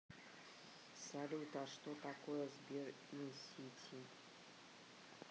салют а что такое сбер инсити